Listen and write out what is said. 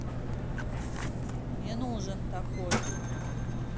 не нужен такой